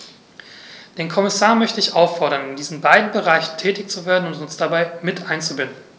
Den Kommissar möchte ich auffordern, in diesen beiden Bereichen tätig zu werden und uns dabei mit einzubinden.